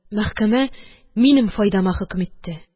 Мәхкәмә минем файдама хөкем итте.